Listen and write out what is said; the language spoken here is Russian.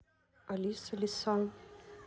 алиса лиса